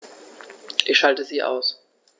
Ich schalte sie aus.